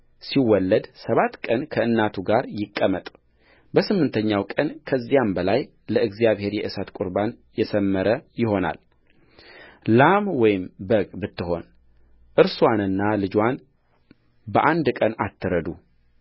ሲወለድ ሰባት ቀን ከእናቱ ጋር ይቀመጥ በስምንተኛውም ቀን ከዚያም በላይ ለእግዚአብሔር የእሳት ቍርባን የሠመረ ይሆናልላም ወይም በግ ብትሆን እርስዋንና ልጅዋን በአንድ ቀን አትረዱ